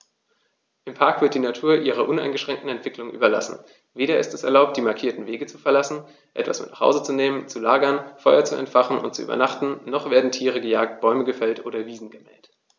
Im Park wird die Natur ihrer uneingeschränkten Entwicklung überlassen; weder ist es erlaubt, die markierten Wege zu verlassen, etwas mit nach Hause zu nehmen, zu lagern, Feuer zu entfachen und zu übernachten, noch werden Tiere gejagt, Bäume gefällt oder Wiesen gemäht.